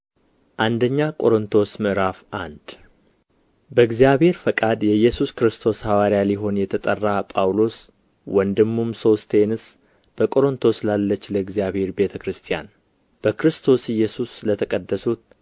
አንደኛ ቆሮንጦስ ምዕራፍ አንድ በእግዚአብሔር ፈቃድ የኢየሱስ ክርስቶስ ሐዋርያ ሊሆን የተጠራ ጳውሎስ ወንድሙም ሶስቴንስ በቆሮንቶስ ላለች ለእግዚአብሔር ቤተ ክርስቲያን በክርስቶስ ኢየሱስ ለተቀደሱት